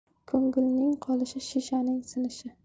ko'ngilning qolishi shishaning sinishi